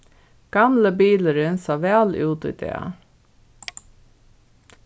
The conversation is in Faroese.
gamli bilurin sá væl út í dag